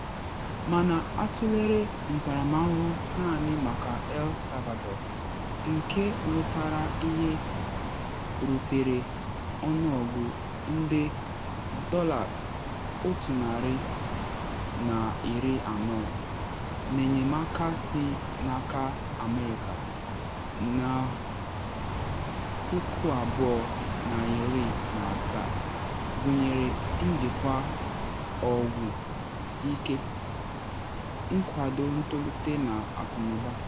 Mana atụlere ntaramahụhụ naanị maka El Salvador, nke nwetara ihe rutere ọnụọgụ nde $140 n’enyemaka si n’aka America na 2017, gụnyere njikwa ọgwụ ike, nkwado ntolite na akụnụba.